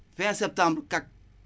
fin septembre kak